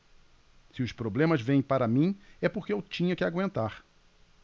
se os problemas vêm para mim é porque eu tinha que aguentar